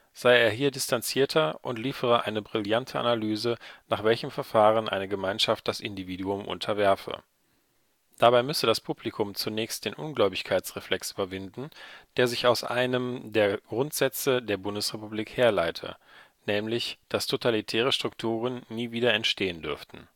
sei er hier distanzierter und liefere eine brillante Analyse, nach welchem Verfahren eine Gemeinschaft das Individuum unterwerfe. Dabei müsse das Publikum zunächst den Ungläubigkeitsreflex überwinden, der sich aus einem der Grundsätze der Bundesrepublik herleite, nämlich dass totalitäre Strukturen nie wieder entstehen dürften